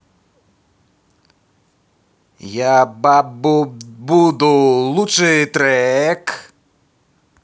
я бабубуду лучший трек